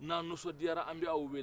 n'an nisɔn diyara an b'aw wele